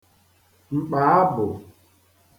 m̀kpaabụ̀